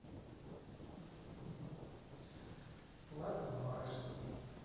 на домашний